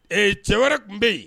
Ee cɛ wɛrɛ tun bɛ yen